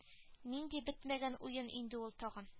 Нинди бетмәгән уен инде ул тагын